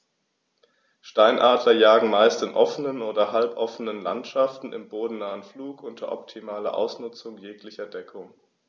Steinadler jagen meist in offenen oder halboffenen Landschaften im bodennahen Flug unter optimaler Ausnutzung jeglicher Deckung.